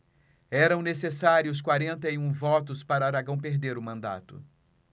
eram necessários quarenta e um votos para aragão perder o mandato